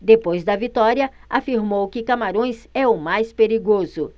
depois da vitória afirmou que camarões é o mais perigoso